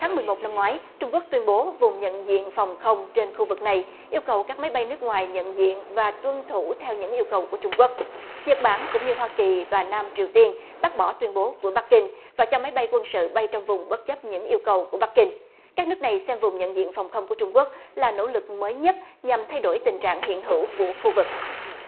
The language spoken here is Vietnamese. tháng mười một năm ngoái trung quốc tuyên bố vùng nhận diện phòng không trên khu vực này yêu cầu các máy bay nước ngoài nhận diện và tuân thủ theo những yêu cầu của trung quốc nhật bản cũng như hoa kỳ và nam triều tiên bác bỏ tuyên bố của bắc kinh và cho máy bay quân sự bay trong vùng bất chấp những yêu cầu của bắc kinh các nước này xem vùng nhận diện phòng không của trung quốc là nỗ lực mới nhất nhằm thay đổi tình trạng hiện hữu của khu vực